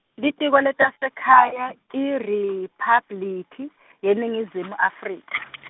Litiko leTasekhaya, IRiphabliki, yeNingizimu, Afrika.